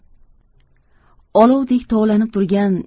olovdek tovlanib turgan